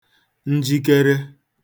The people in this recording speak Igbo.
njikere